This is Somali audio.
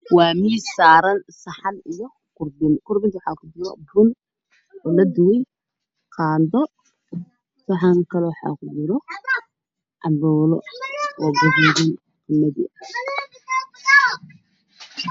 Waa miis saaran sahan iyo kurbin kurbinta waxaa ku jiro Bun oo la duway qaando saxan kale waxa ku jiro canbuulo oo gaduudan qamadi ah